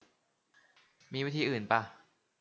มีวิธีอื่นปะ